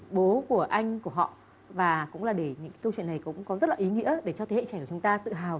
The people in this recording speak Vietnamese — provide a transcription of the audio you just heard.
bố của anh của họ và cũng là để những câu chuyện này cũng có rất là ý nghĩa để cho thế hệ trẻ chúng ta tự hào